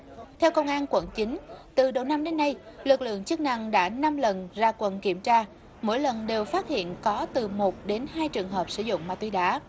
theo công an quận chín từ đầu năm đến nay lực lượng chức năng đã năm lần ra quận kiểm tra mỗi lần đều phát hiện có từ một đến hai trường hợp sử dụng ma túy đá